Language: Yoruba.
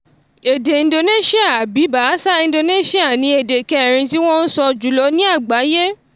Èdè Indonesia – àbí Bahasa Indonesia – ni èdè kẹrin tí wọ́n ń sọ jùlọ ní àgbáyé.